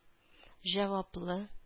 Җаваплы